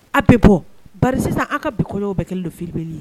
A bɛ bɔ bari sisan an ka bi kɔɲɔw bɛɛ kɛlen don filmeli ye.